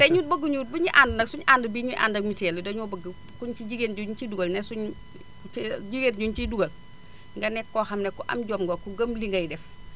te ñun bëgguñu buñuy ànd nag suñu ànd bii ñuy ànd ak mutuelle yi dañoo bëgg ku ñu ci jigéen ju ñu ci dugal ne suñu jigéen juñu ciy dugal nga nekk koo xam ne ku am jom nga ku gëm li ngay def